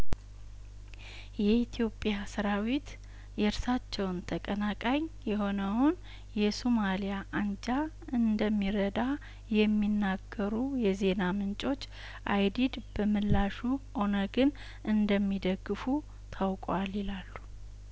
የኢትዮጵያ ሰራዊት የእርሳቸውን ተቀናቃኝ የሆነውን የሱማሊያአንጃ እንደሚረዳ የሚናገሩ የዜናምንጮች አይዲድ በምላሹ ኦነግን እንደሚደግፉ ታውቋል ይላሉ